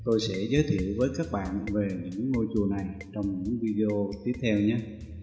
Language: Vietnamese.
tôi sẽ giới thiệu với các bạn về những ngôi chùa này trong những video tiếp theo nhé